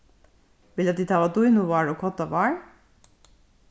vilja tit hava dýnuvár og koddavár